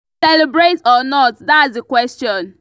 To celebrate or not, that’s the question.